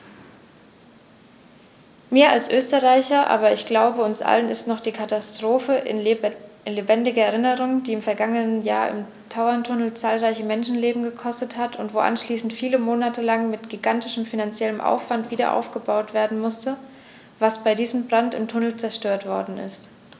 Mir als Österreicher, aber ich glaube, uns allen ist noch die Katastrophe in lebendiger Erinnerung, die im vergangenen Jahr im Tauerntunnel zahlreiche Menschenleben gekostet hat und wo anschließend viele Monate lang mit gigantischem finanziellem Aufwand wiederaufgebaut werden musste, was bei diesem Brand im Tunnel zerstört worden ist.